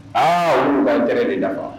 Aa ka gɛrɛ ne dafa